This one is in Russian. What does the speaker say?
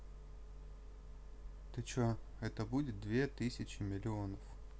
ты че это будет две тысячи миллионов